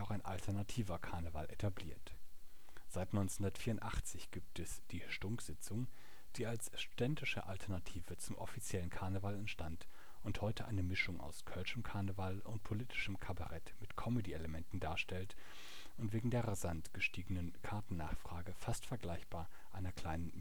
ein alternativer Karneval etabliert. Seit 1984 gibt es die Stunksitzung, die als studentische Alternative zum offiziellen Karneval entstand und heute eine Mischung aus kölschem Karneval und politischem Kabarett mit Comedyelementen darstellt und wegen der rasant gestiegenen Kartennachfrage fast vergleichbar einer kleinen